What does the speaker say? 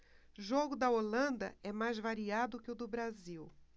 jogo da holanda é mais variado que o do brasil